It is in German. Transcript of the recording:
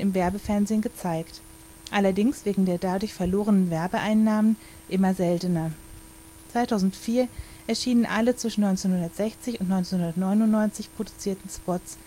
Werbefernsehen gezeigt, allerdings wegen der dadurch verlorenen Werbeeinnahmen immer seltener. 2004 erschienen alle zwischen 1960 und 1999 produzierten Spots